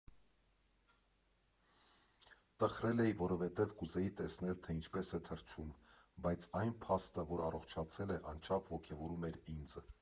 Տխրել էի, որովհետև կուզեի տեսնել, թե ինչպես է թռչում, բայց այն փաստը, որ առողջացել է, անչափ ոգևորում էր ինձ։